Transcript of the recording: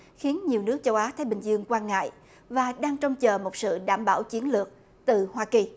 khiến nhiều nước châu á thái bình dương quan ngại và đang trông chờ một sự đảm bảo chiến lược từ hoa kỳ